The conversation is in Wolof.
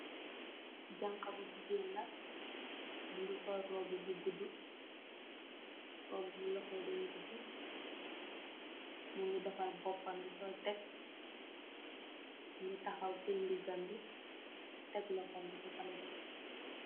Janha bu jigeen la mogi sool roba bu godu roba bi loxoyi deng godu mogi defar bopam sool teck mogi taxaw teyeh ndigam bi teeg loxom bi si tabah bi.